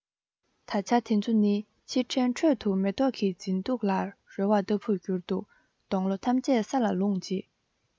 ད ཆ དེ ཚོ ནི ཕྱིར དྲན ཁྲོད དུ མེ ཏོག གི མཛེས སྡུག ལ རོལ བ ལྟ བུར གྱུར འདུག སྡོང ལོ ཐམས ཅད ས ལ ལྷུང རྗེས